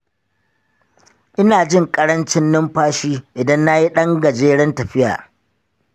ina jin ƙarancin numfashi idan na yi ɗan gajeren tafiya.